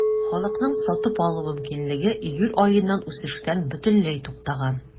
Халыкның сатып алу мөмкинлеге июль аеннан үсештән бөтенләй туктаган.